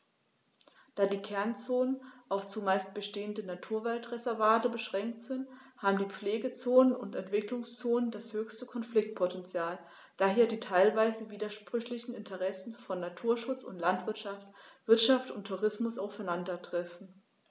Da die Kernzonen auf – zumeist bestehende – Naturwaldreservate beschränkt sind, haben die Pflegezonen und Entwicklungszonen das höchste Konfliktpotential, da hier die teilweise widersprüchlichen Interessen von Naturschutz und Landwirtschaft, Wirtschaft und Tourismus aufeinandertreffen.